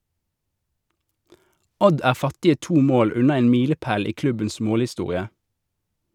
Odd er fattige to mål unna en milepæl i klubbens målhistorie.